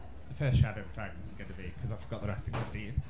The First Shadow of Dragons sydd gyda fi, because I've forgot the rest in Caerdydd.